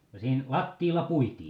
no siinä lattialla puitiin